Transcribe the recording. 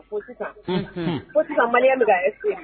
Sisan maliya minɛ